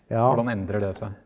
ja.